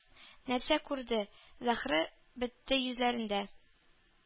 Нәрсә күрде?! — Зәһре бетте йөзләрендә,